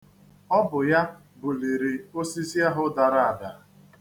Ọ bụ ya buliri osisi ahụ dara ada.